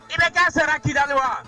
I bɛ kɛ sara kidali wa